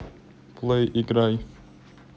плей играй